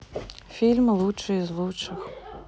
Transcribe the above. фильм лучший из лучших